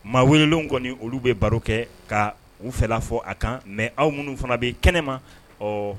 Maa welelenw kɔni olu bɛ baro kɛ ka u fɛla fɔ a kan. Mais aw munun fana bi kɛnɛ ma ɔɔ